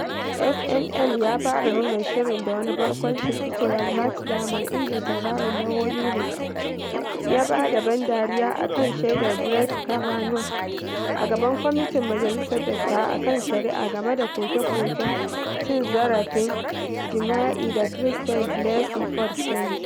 SNL ya fara nuna shirin da wani barkwancin fitowar Matt Damon inda tauraron na Hollywood ya ba da ban dariya a kan shaidar Brett Kavanaugh a gaban Kwamitin Majalisar Dattawa a kan Shari'a game da koke-koken cin zarafin jima'i da Christine Blasey Ford ta yi.